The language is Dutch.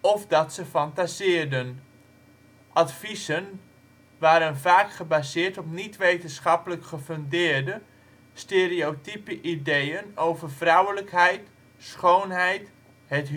of dat ze fantaseerden. Adviezen waren vaak gebaseerd op niet wetenschappelijk gefundeerde, stereotiepe ideeën over vrouwelijkheid, schoonheid, het